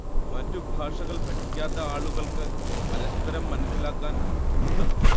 മറ്റുഭാഷകൾ പഠിക്കാത്ത ആളുകൾക്ക് പരസ്പരം മനസ്സിലാക്കാൻ ബുദ്ധിമുട്ടാണ്